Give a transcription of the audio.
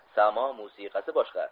samo musiqasi boshqa